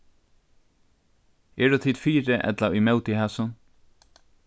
eru tit fyri ella ímóti hasum